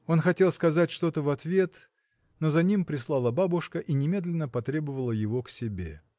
Он хотел сказать что-то в ответ, но за ним прислала бабушка и немедленно потребовала его к себе.